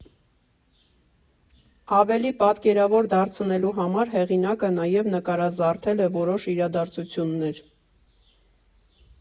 Ավելի պատկերավոր դարձնելու համար, հեղինակը նաև նկարազարդել է որոշ իրադարձություններ։